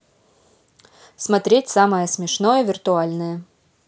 смотреть самое смешное виртуальное